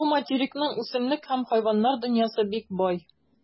Бу материкның үсемлек һәм хайваннар дөньясы бик бай.